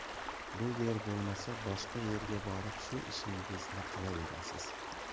bu yer bo'lmasa boshqa yerga borib shu ishingizni qilaverasiz